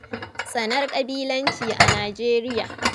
Tsanar ƙabilanci a Nijeriya